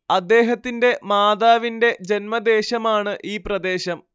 അദ്ദേഹത്തിന്റെ മാതാവിന്റെ ജന്മദേശമാണ് ഈ പ്രദേശം